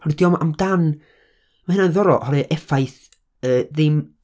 Oherwydd 'di o'm amdan... Ma' hynna'n ddiddorol, oherwydd effaith, yy ddim...